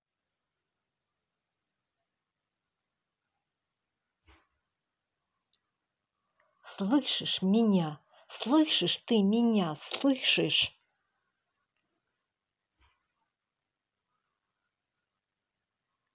слышишь меня слышь ты меня слышишь